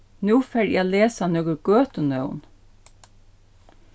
nú fari eg at lesa nøkur gøtunøvn